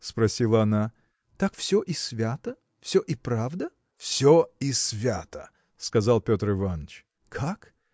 – спросила она, – так все и свято, все и правда? – Все и свято! – сказал Петр Иваныч. – Как!